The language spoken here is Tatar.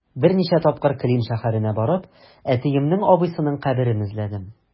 Берничә тапкыр Клин шәһәренә барып, әтиемнең абыйсының каберен эзләдем.